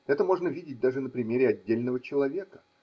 Это можно видеть даже на примере отдельного человека.